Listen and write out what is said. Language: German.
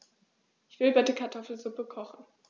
Ich will bitte Kartoffelsuppe kochen.